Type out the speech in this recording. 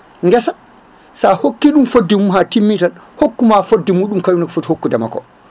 guesa sa hokki ɗum fodde mum ha timmi tan hokkuma fodde muɗum kañumne ko foti hokkudema ko